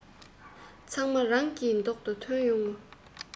ཚང མ རང གི མདོག དང མཐུན ཡོང ངོ